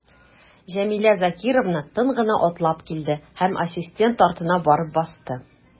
Җәмилә Закировна тын гына атлап килде һәм ассистент артына барып басты.